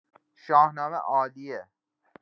شاهنامه عالیه